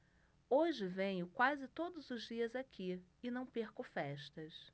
hoje venho quase todos os dias aqui e não perco festas